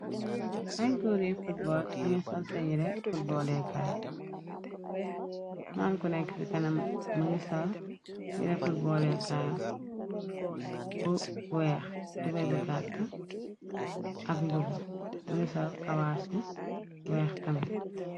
Ay goore footbol ña ngi sol seen yire footbooe kaay ngan ku nekk kana më ngi sor yire footbole kaay bu weex tubay bu gàtt ak mbubb më ngi sor kawaasi weex tame